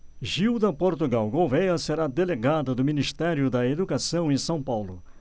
gilda portugal gouvêa será delegada do ministério da educação em são paulo